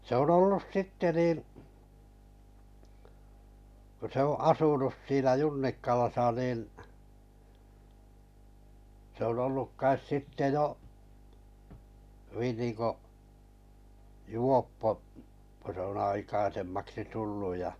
se on ollut sitten niin kun se on asunut siinä Junnikkalassa niin se on ollut kai sitten jo hyvin niin kuin juoppo kun se on aikaisemmaksi tullut ja